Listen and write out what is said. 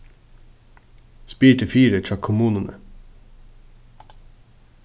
spyr teg fyri hjá kommununi